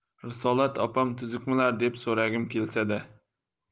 risolat opam tuzukmilar deb so'ragim kelsa da